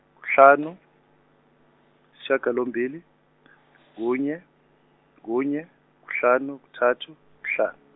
kuhlanu isishagalombili kunye kunye kuhlanu kuthatu kuhlan-.